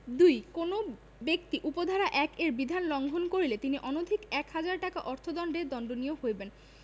২ কোন ব্যক্তি উপ ধারা ১ এর বিধান লংঘন করিলে তিনি অনধিক এক হাজার টাকা অর্থ দন্ডে দন্ডনীয় হইবেন